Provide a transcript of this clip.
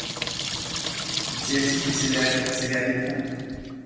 дети потеряли пульт